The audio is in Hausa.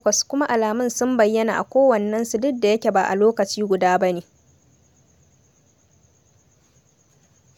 'Ina da 'ya'ya takwas, kuma alamun sun bayyana a kownannensu duk da yake ba a lokaci guda ba ne''.